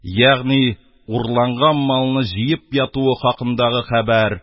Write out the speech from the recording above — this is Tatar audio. Ягъни урланган малны җыеп ятуы хакындагы хәбәр